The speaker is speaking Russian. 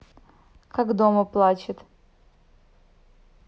как дома плачет